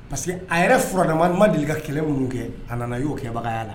Parce que a yɛrɛ faradamama ma deli ka kɛlɛ minnu kɛ a nana y'o kɛbagaya la